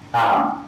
A